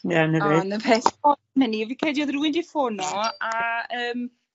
Ie 'na fe. A, 'na fe fi'n credu odd rywun 'di ffono a yym